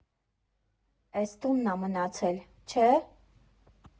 Էս տունն ա մնացել, չէ՞։